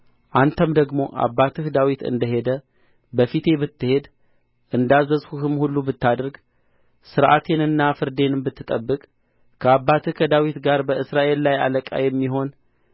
አንተም ደግሞ አባትህ ዳዊት እንደ ሄደ በፊቴ ብትሄድ እንዳዘዝሁህም ሁሉ ብታደርግ ሥርዓቴንና ፍርዴንም ብትጠብቅ ከአባትህ ከዳዊት ጋር በእስራኤል ላይ አለቃ የሚሆን